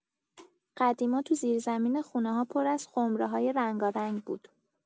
قدیما تو زیرزمین خونه‌ها پر از خمره‌های رنگارنگ بود.